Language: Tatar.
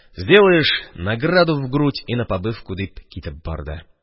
Сделаешь, награду в грудь и на побывку, – дип китеп барды.